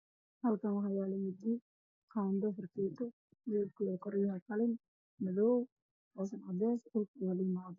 Halkaan waxaa yaalo midi qaado farageeto midabkooda kor yahay qalin madow hoosna cadays dhulka cadaan.